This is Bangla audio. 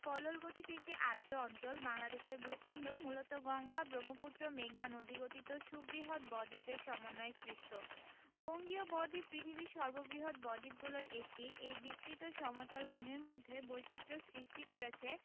পলল গঠিত একটি আর্দ্র অঞ্চল বাংলাদেশের ভূখন্ড মূলত গঙ্গা ব্রহ্মপুত্র মেঘনা নদীগঠিত সুবৃহৎ বদ্বীপের সমন্বয়ে সৃষ্ট বঙ্গীয় বদ্বীপ পৃথিবীর সর্ববৃহৎ বদ্বীপগুলোর একটি এই বিস্তৃত সমতল ভূমির মধ্যে বৈচিত্র্য সৃষ্টি করেছে